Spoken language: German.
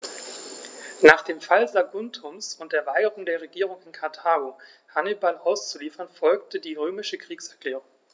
Nach dem Fall Saguntums und der Weigerung der Regierung in Karthago, Hannibal auszuliefern, folgte die römische Kriegserklärung.